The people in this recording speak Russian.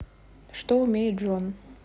что умеет джон